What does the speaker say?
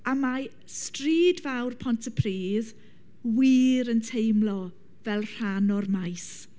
A mae stryd fawr Pontypridd wir yn teimlo fel rhan o'r maes.